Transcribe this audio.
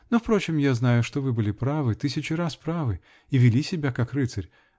но, впрочем, я знаю что вы были правы, тысячу раз правы -- и вели себя как рыцарь.